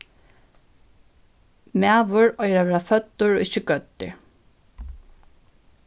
maður eigur at verða føddur og ikki gøddur